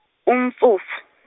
uMfumfu.